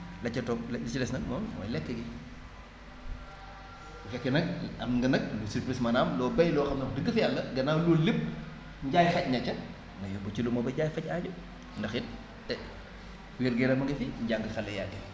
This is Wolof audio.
la ca topp la li ci des nag moom mooy lekk gi bu fekkee nag am nga nag lu surplus maanaam loo bay loo xam ne wax dëgg fa Yàlla gannaaw loolu lépp njaay xaj na ca nga yóbbu ci luuma ba jaay faj aajo ndax it et wér-gu-yaram a ngi fi njàng xale yaa ngi fi